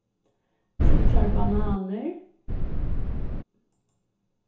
tríggjar bananir